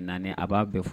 Nan a b'a bɛ fɔ